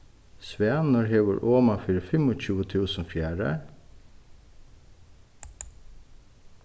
svanur hevur oman fyri fimmogtjúgu túsund fjaðrar